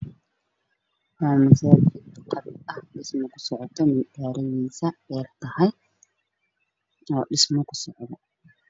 Waa masaajid dhismo ku socdo manaaradiisa way dheer tahay waxaana ku socda dhismo